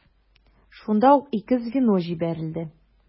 Шунда ук ике звено җибәрелде.